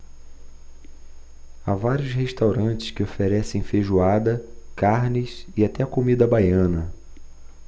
há vários restaurantes que oferecem feijoada carnes e até comida baiana